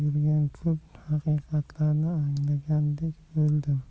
yurgan ko'p haqiqatlarni anglagandek bo'ldim